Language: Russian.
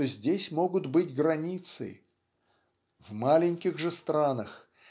что здесь могут быть границы. В маленьких же странах